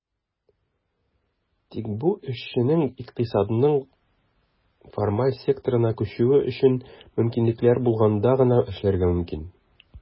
Тик бу эшченең икътисадның формаль секторына күчүе өчен мөмкинлекләр булганда гына эшләргә мөмкин.